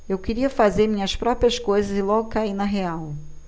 eu queria fazer minhas próprias coisas e logo caí na real